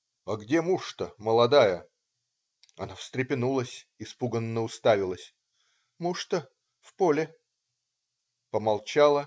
"А где муж-то, молодая?" - Она встрепенулась, испуганно уставилась. "Муж-то?. в поле. " Помолчала.